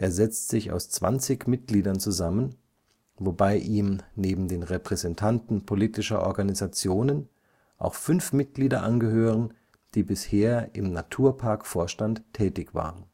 setzt sich aus 20 Mitgliedern zusammen, wobei ihm neben den Repräsentanten politischer Organisationen auch fünf Mitglieder angehören, die bisher im Naturpark-Vorstand tätig waren